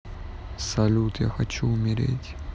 салют я хочу умереть